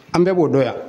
An bɛɛ b'o dɔn yan